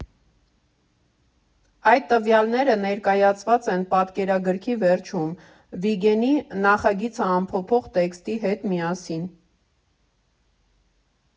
Այդ տվյալները ներկայացված են պատկերագրքի վերջում, Վիգենի՝ նախագիծը ամփոփող տեքստի հետ միասին։